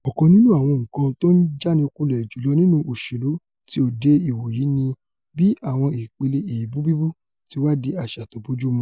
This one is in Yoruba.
Ọ̀kan nínú àwọn nǹkan tó ń jánikulẹ̀ jùlọ nínú òṣèlú ti òde-ìwòyí ni bí àwọn ipele èèbù bíbú ti wá di àṣà tó bójúmu.